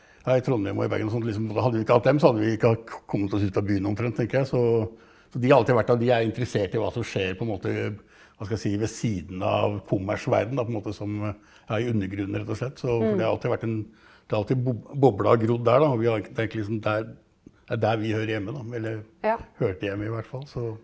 ja i Trondheim og i Bergen sånn liksom hadde vi ikke hatt dem så hadde vi ikke kommet oss ut av byen omtrent tenker jeg, så så de har alltid vært at de er interessert i hva som skjer på en måte hva skal si ved siden av kommersverdenen da på en måte som ja i undergrunnen rett og slett, så for det har alltid vært en det har alltid bobla og grodd der da, og vi har det er egentlig liksom der det er der vi hører hjemme da eller ja hørte hjemme i hvert fall så.